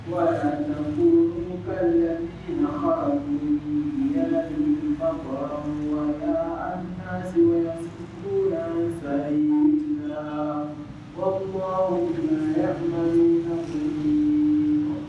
Wa kun yog ba mɔ sankun la faama kun ma